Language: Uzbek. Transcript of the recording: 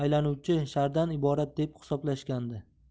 aylanuvchi shardan iborat deb hisoblashgandi